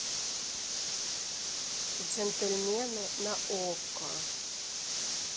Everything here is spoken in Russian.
джентельмены на окко